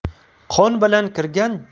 qon bilan kirgan